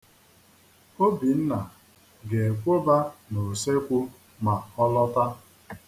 Obinna ga-ekwoba n'usekwu ma ọ lọta.